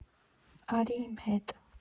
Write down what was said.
Արի իմ հետ։